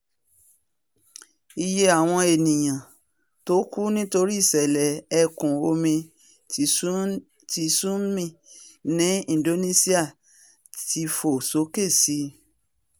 Iye àwọn eniyan tókú nítorí ìṣẹ̀lẹ̀ ẹ̀kún omi tsunsmi ni Indonesia tí fò sókè sí e832.